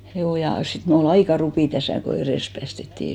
juu ja sitten minulla oli aika rupi tässä kun edes päästettiin